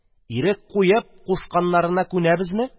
. ирек куеп, кушканнарына күнәбезме?